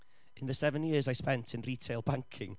In the seven years I spent in retail banking,